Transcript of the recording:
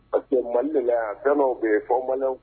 Parce que Mali de la yan fɛn dɔnw bɛ yen fɔ maliɲɛnw